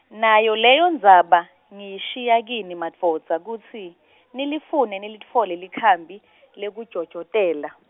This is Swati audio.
nayo leyo Ndzaba, ngiyishiya kini madvodza kutsi , nilifune nilitfole likhambi, lekujojotela.